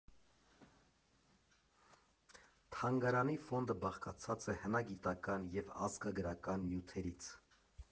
Թանգարանի ֆոնդը բաղկացած է հնագիտական և ազգագրական նյութերից։